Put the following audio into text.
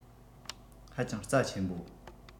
ཧ ཅང རྩ ཆེན པོ